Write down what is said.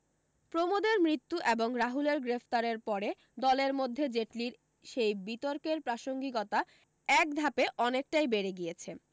প্রমোদের মৃত্যু এবং রাহুলের গ্রেফতারের পরে দলের মধ্যে জেটলির সেই বিতর্কের প্রাসঙ্গিকতা এক ধাপে অনেকটাই বেড়ে গিয়েছে